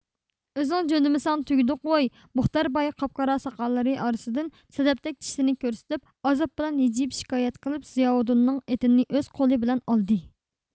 ئۆزۈڭ جۆندىمىسەڭ تۈگىدۇق ۋۇي مۇختەر باي قاپقارا ساقاللىرى ئارىسىدىن سەدەپتەك چىشلىرىنى كۆرسىتىپ ئازاب بىلەن ھىجىيىپ شىكايەت قىلىپ زىياۋۇدۇننىڭ ئېتىنى ئۆز قولى بىلەن ئالدى